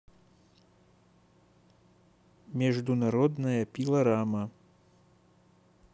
международная пилорама